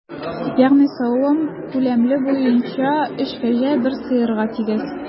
Ягъни савым күләме буенча өч кәҗә бер сыерга тигез.